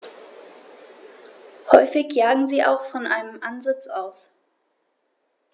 Häufig jagen sie auch von einem Ansitz aus.